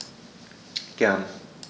Gern.